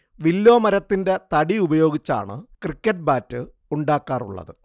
willow മരത്തിന്റെ തടി ഉപയോഗിച്ചാണ് ക്രിക്കറ്റ് ബാറ്റ് ഉണ്ടാക്കാറുള്ളത്